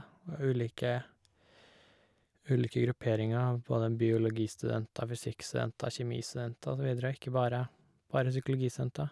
Og ulike ulike grupperinger av både biologistudenter, fysikkstudenter, kjemistudenter og så videre og ikke bare bare psykologistudenter.